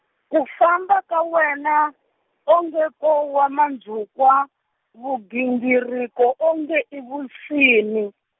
ku famba ka wena, onge ko wa mazukwa, vugingiriko onge i vunsini.